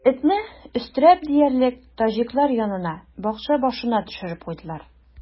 Этне, өстерәп диярлек, таҗиклар янына, бакча башына төшереп куйдылар.